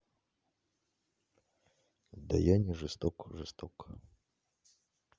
да я не жесток жесток